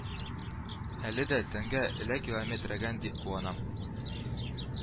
Әле дә тәнгә эләкилометрәгән дип куанам